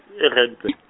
e- Randburg.